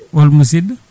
hol musidɗo